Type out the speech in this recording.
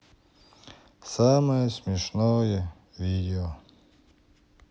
самое смешное видео